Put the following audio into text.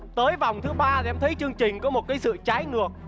tới vòng thứ ba thì em thấy chương trình có một sự trái ngược